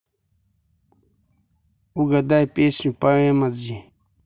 угадай песню по эмодзи